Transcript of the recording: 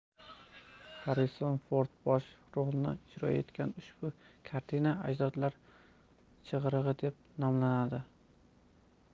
xarrison ford bosh rolni ijro etgan ushbu kartina ajdodlar chaqirig'i deb nomlanadi